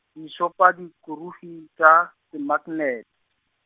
Disopadikurufi tša, semaknet-.